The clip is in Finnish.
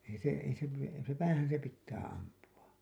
ei se ei se pidä ei se päähän se pitää ampua